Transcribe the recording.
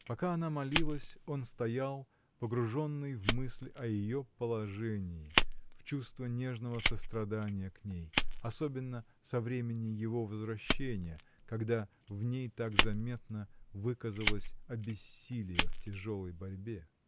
Пока она молилась, он стоял, погруженный в мысль о ее положении, в чувство нежного сострадания к ней, особенно со времени его возвращения, когда в ней так заметно выказалось обессиление в тяжелой борьбе.